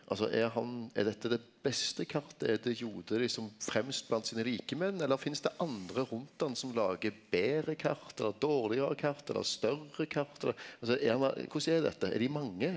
altså er han er dette det beste kartet er de Jode liksom fremst blant sine likemenn eller finst det andre rundt han som lagar betre kart eller dårlegare kart eller større kart eller altså er han korleis er dette er dei mange?